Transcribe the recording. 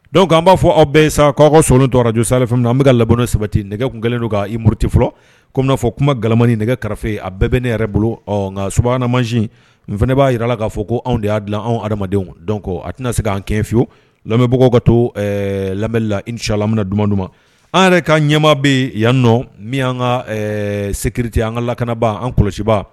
Dɔnku an b'a fɔ aw bɛ sa kɔkɔ solon dɔrɔnj sa fɛn min na an bɛ bɛka ka labwaleana sabati nɛgɛkun kɛlen don k' muruti fɔlɔ koa fɔ kuma gamani nɛgɛ kɛrɛfɛfe a bɛɛ bɛ ne yɛrɛ bolo ɔ nka su mansin fana b'a jira la k'a fɔ ko anw de y'a dilan anw hadamadenw dɔn kɔ a tɛna se k'an kɛ fiyewu labagaw ka to lamɛn la ic lammina duman duman ma an yɛrɛ ka ɲɛmaa bɛ yan n nɔ min an kate an ka lakanaba an kɔlɔsiba